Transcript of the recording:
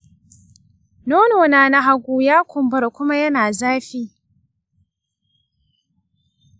nono na na hagu ya kumbura kuma yana zafi.